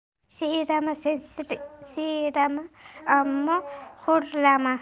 siylamasang siylama ammo xo'rlama